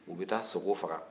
u bɛ taa sogo faga